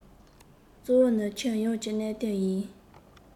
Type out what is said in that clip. གཙོ བོ ནི ཁྱོན ཡོངས ཀྱི གནད དོན ཡིན